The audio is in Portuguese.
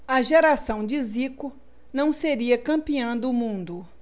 a geração de zico não seria campeã do mundo